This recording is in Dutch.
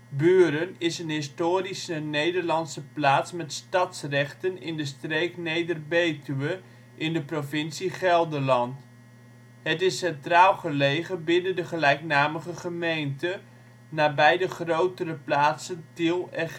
Buren is een historische Nederlands plaats met stadsrechten in de streek Neder-Betuwe, in de provincie Gelderland. Het is centraal gelegen binnen de gelijknamige gemeente, nabij de grotere plaatsen Tiel en